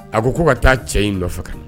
A ko ka taa cɛ in dɔ nɔfɛ ka